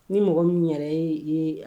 Ni mɔgɔ min yɛrɛ e ye.